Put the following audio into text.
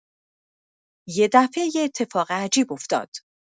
یه دفعه، یه اتفاق عجیب افتاد.